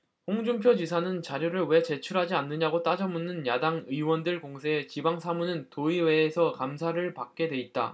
홍준표 지사는 자료를 왜 제출하지 않느냐고 따져 묻는 야당 의원들 공세에 지방 사무는 도의회에서 감사를 받게 돼 있다